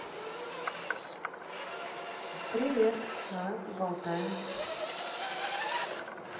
привет давай поболтаем